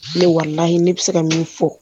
Ne walahi ne bi se ka min fo.